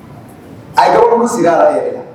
A ye olu sigira yɛrɛ